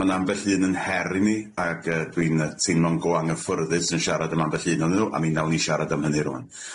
Ma'n ambell un yn her i ni ag yy dwi'n yy teimlo'n go anghyffyrddus yn siarad am ambell un ohonyn nw a mi wnawn ni siarad am hynny rŵan.